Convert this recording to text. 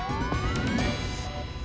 những